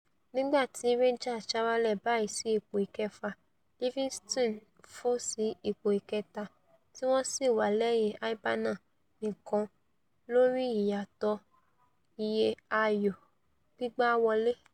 nígbà tí Rangers jáwálẹ̀ báyìí sí ipò ìkẹfà, Livinston fò sí ipò ìkẹta tí wọn sìwà lẹ́yìn Hibernia nìkan lórí ìyàtọ̀ iye ayò gbígbá wọlé.